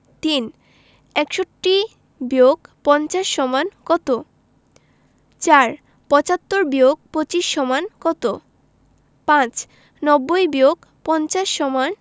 ৩ ৬১-৫০ = কত ৪ ৭৫-২৫ = কত ৫ ৯০-৫০ =